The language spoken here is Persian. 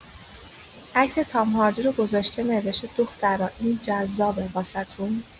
عکس تام هاردی رو گذاشته نوشته دخترا این جذابه واستون؟